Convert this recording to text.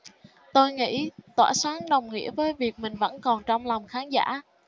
tôi nghĩ tỏa sáng đồng nghĩa với việc mình vẫn còn trong lòng khán giả